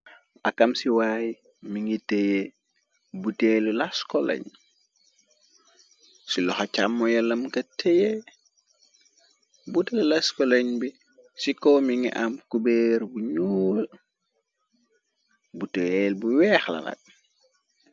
Akam siwaay mi ngi teye buteelu laskoloñ ci lu xa càmmoyalam ka teye buteelu laskoloñ bi ci ko mi ngi am kubeer buñoo bu teeel bu weex lanaat.